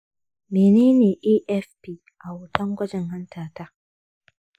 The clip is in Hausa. menene afp a rahoton gwajin hantata?